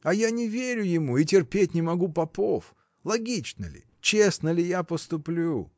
А я не верю ему и терпеть не могу попов: логично ли, честно ли я поступлю?.